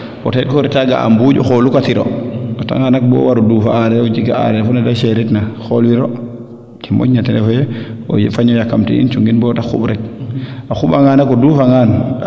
peut etre ko reta ga ɓuuƴ xolukatiro o reta nga nak bo waro duuf a areer fo cika areer fonete chere itna xool wiro ke moƴna te refu ye o faño yakamti in cungin boote xuɓ rek a xuɓanga nak o duufa ngaan